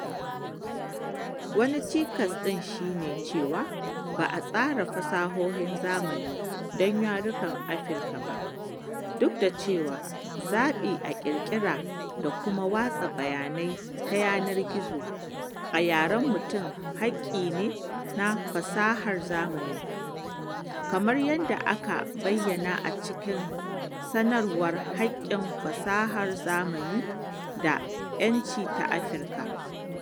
Wani cikas ɗin shi ne cewa ba a tsara fasahohin zamani don yarukan Afirka ba, duk da cewa “zaɓin a ƙirƙira da kuma watsa bayanai ta yanar gizo” a Yaren mutum haƙƙi ne na fasahar zamani, kamar yadda aka bayyana a cikin “Sanarwar Haƙƙin fasahar zamani da 'Yanci ta Afirka”.